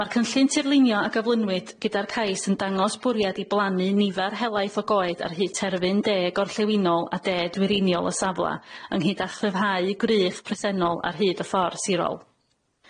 Ma'r cynllun tirlinio a gyflwynwyd gyda'r cais yn dangos bwriad i blannu nifer helaeth o goed ar hyd terfyn de gorllewinol a de dwyreiniol y safla ynghyd â chryfhau gwrych presennol ar hyd y ffor sirol.